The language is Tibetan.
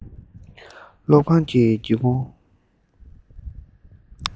སློབ ཁང གི སྒེའུ ཁུང